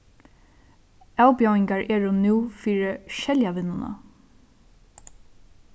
avbjóðingar eru nú fyri skeljavinnuna